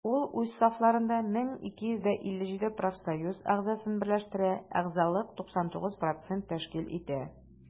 Ул үз сафларында 1257 профсоюз әгъзасын берләштерә, әгъзалык 99 % тәшкил итә.